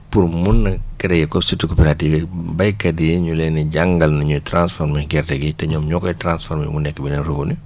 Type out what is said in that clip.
pour mun a créer comme surtout coopératives yi béykat yi ñu leen di jàngal nu ñuy transformer gerte gi te ñoom ñoo koy transformer mu nekk benn revenu